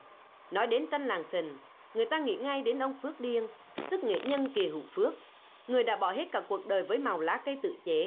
nói đến tranh làng sình người ta nghĩ ngay đến ông phước điên tức nghệ nhân kỳ hữu phước người đã bỏ hết cả cuộc đời với màu lá cây tự chế